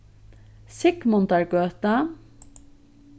sigmundargøta